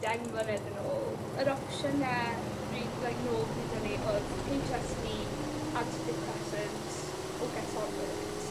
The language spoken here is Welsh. deng mlynedd yn ôl yr opsiyne pry- like nôl pryd hynny o'dd Heitch Are Tee anti depressants, oh get on with it.